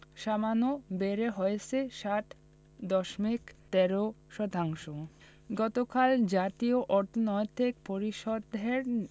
সামান্য বেড়ে হয়েছে ৭ দশমিক ১৩ শতাংশ গতকাল জাতীয় অর্থনৈতিক পরিষদের